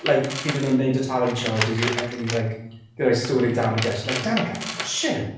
Like, pryd o'n nhw'n wneud y talent show. Od- hi 'di oedd hi 'di, like, 'di rhoi stwr i Danica. She was like, "Danica? Shut up!"